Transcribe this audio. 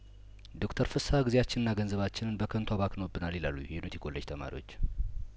ዶክተር ፍስሀ ጊዜያችንንና ገንዘባችንን በከንቱ አባክነውብናል ይላሉ የዩኒቲ ኮሌጅ ተማሪዎች